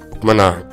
O tuma na